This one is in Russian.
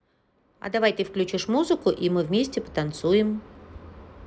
а давай ты включишь музыку и мы вместе потанцуем